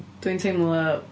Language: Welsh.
Dwi'n teimlo...